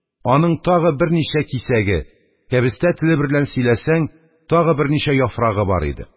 Аның тагы берничә кисәге, кәбестә теле берлән сөйләсәң, тагы берничә яфрагы бар иде.